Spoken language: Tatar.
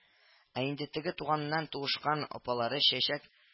Ә инде теге туганнан туышкан апалары чәчәк